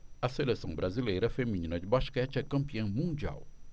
a seleção brasileira feminina de basquete é campeã mundial